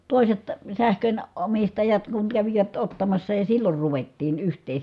toiset sähkön omistajat kun kävivät ottamassa ja silloin ruvettiin yhteen